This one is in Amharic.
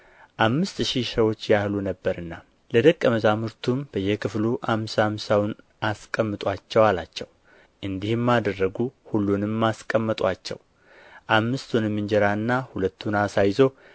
አምስት ሺህ ሰዎች ያህሉ ነበርና ለደቀ መዛሙርቱ በየክፍሉ አምሳ አምሳውን አስቀምጡአቸው አላቸው እንዲህም አደረጉ ሁሉንም አስቀመጡአቸው አምስቱንም እንጀራና ሁለቱን ዓሣ ይዞ